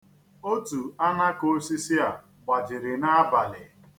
Otu alakaosisi a gbajiri n'abalị.